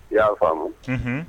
I y'a faamumuhun